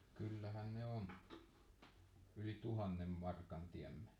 kyllähän ne on yli tuhannen markan tiemmä